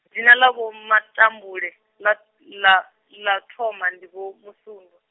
dzina ḽa Vho Matambule, ḽa t-, ḽa, ḽa thoma ndi Vho Musundwa.